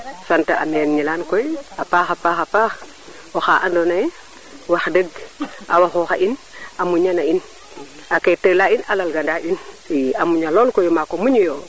sant an Gnilane koy a paxa paax paax oxa ando naye wax deg a waxo xa in muña na in a keke in a lal gana in i a muña lool koy o maako muñu yo